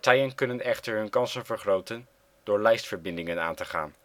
kunnen echter hun kansen vergroten door lijstverbindingen aan te gaan